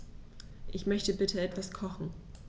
Ich möchte bitte etwas kochen.